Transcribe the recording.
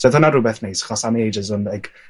So oedd hwnna rwbeth neis 'chos am ages o' 'na like